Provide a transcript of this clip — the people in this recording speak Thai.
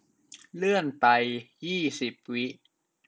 เลื่อนไปยี่สิบวิ